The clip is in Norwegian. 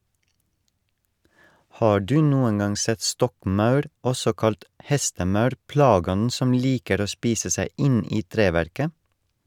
Har du noen gang sett stokkmaur, også kalt hestemaur, plageånden som liker å spise seg inn i treverket?